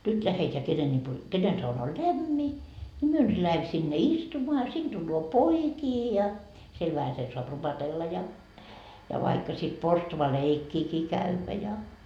nyt lähdetään kenen lipo kenen sauna on lämmin niin me nyt lähdemme sinne istumaan a sinne tulee poikia ja siellä vähäsen saa rupatella ja ja vaikka sitten porstualeikkiäkin käydä ja